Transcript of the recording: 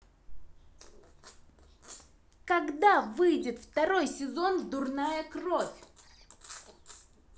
когда выйдет второй сезон дурная кровь